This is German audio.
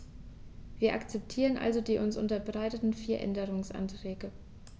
Wir akzeptieren also die uns unterbreiteten vier Änderungsanträge.